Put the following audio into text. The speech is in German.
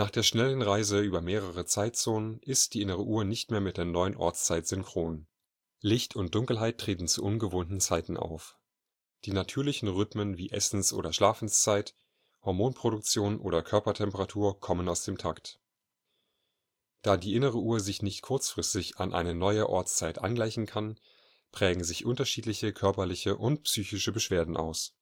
der schnellen Reise über mehrere Zeitzonen ist die innere Uhr nicht mehr mit der neuen Ortszeit synchron. Licht und Dunkelheit treten zu ungewohnten Zeiten auf; die natürlichen Rhythmen wie Essens - und Schlafenszeit, Hormonproduktion oder Körpertemperatur kommen aus dem Takt. Da die innere Uhr sich nicht kurzfristig an eine neue Ortszeit angleichen kann, prägen sich unterschiedliche körperliche und psychische Beschwerden aus